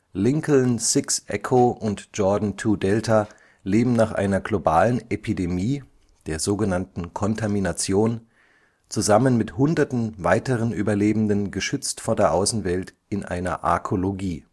Lincoln Six Echo und Jordan Two Delta leben nach einer globalen Epidemie, der sogenannten Kontamination, zusammen mit hunderten weiteren Überlebenden geschützt vor der Außenwelt in einer Arkologie